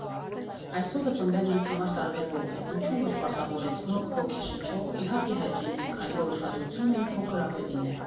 Այս օրը ծնվելն ինձ համար տարբերվող է, ինչու ոչ, պարտավորեցնող, ոգեշնչող, իհարկե հաճելի, քանի որ ուշադրությունը մի փոքր ավելին է։